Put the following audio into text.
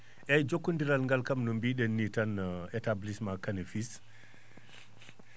eeyi jokkondiral ngal kam no mbi?enni tan établissement Kane et fils